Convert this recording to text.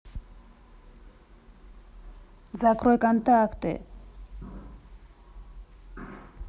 закрой контакты